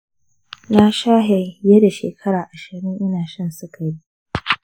na shafe fiye da shekara ashirin ina shan sigari.